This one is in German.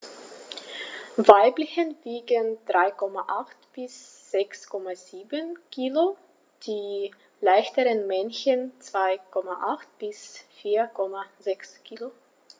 Weibchen wiegen 3,8 bis 6,7 kg, die leichteren Männchen 2,8 bis 4,6 kg.